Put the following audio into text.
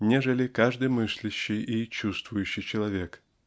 нежели каждый мыслящий и чувствующий человек.